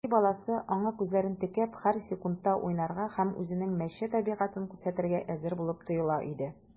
Песи баласы, аңа күзләрен текәп, һәр секундта уйнарга һәм үзенең мәче табигатен күрсәтергә әзер булып тоела иде.